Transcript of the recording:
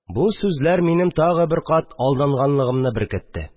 Бу сүзләр минем тагы бер кат алданганымны беркетте